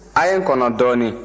a' ye n kɔnɔ dɔɔnin